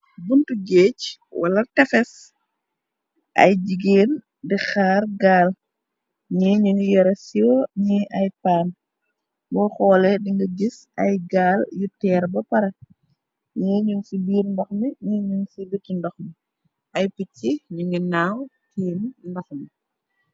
Buntu géej wala tafes. Ay jigéen di haar gaal ñi ñungi yoreh so, ñi ay paañ. boo hoolè di nga jis ay gaal yu teer ba pareh. Ñi ñung ci biir ndoh mi, ni ñung ci biti ndoh mi. Ay picci ñu ngi naaw tiim ndoxh mi.